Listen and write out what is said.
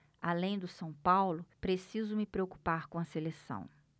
além do são paulo preciso me preocupar com a seleção